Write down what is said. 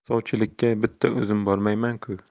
sovchilikka bitta o'zim bormayman ku